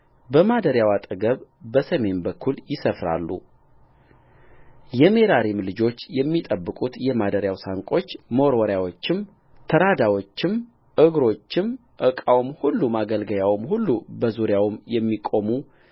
በማደሪያው አጠገብ በሰሜን በኩል ይሰፍራሉየሜራሪም ልጆች የሚጠብቁት የማደሪያው ሳንቆች መወርወሪያዎችም ተራዳዎችም እግሮቹም ዕቃውም ሁሉማገልገያውም ሁሉ በዙሪያውም የሚቆሙ